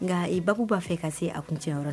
Nka e babu b'a fɛ ka se a kuncɛ yɔrɔ l